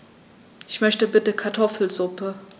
Ich möchte bitte Kartoffelsuppe.